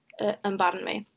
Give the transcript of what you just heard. yy, yn barn fi.